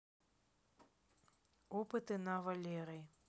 опыты на валерой